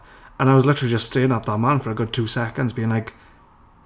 And I was literally just staring at that man for a good two seconds being like...